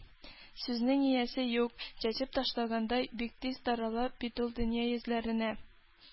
Сүзнең иясе юк, чәчеп ташлагандай, бик тиз тарала бит ул дөнья йөзләренә.